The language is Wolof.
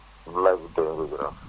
Abdoulaye Bitèye Nguy Jaraaf